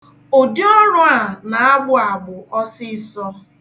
Ụdị ọrụ a na-agbụ agbụ ọsịịsọ.